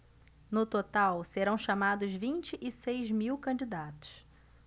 no total serão chamados vinte e seis mil candidatos